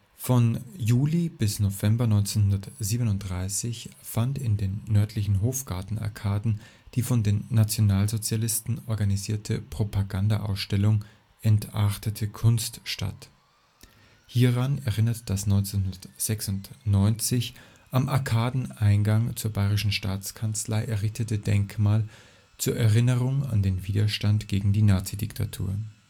Von Juli bis November 1937 fand in den nördlichen Hofgartenarkaden die von den Nationalsozialisten organisierte Propagandaausstellung „ Entartete Kunst “statt. Hieran erinnert das 1996 am Arkadengang zur Bayerischen Staatskanzlei errichtete Denkmal zur Erinnerung an den Widerstand gegen die Nazi-Diktatur